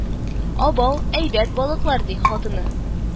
Абау әйбәт балыклар,- ди хатыны